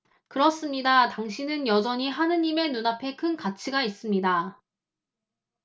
그렇습니다 당신은 여전히 하느님의 눈앞에 큰 가치가 있습니다